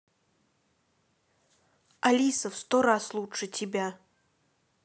алиса в сто раз лучше тебя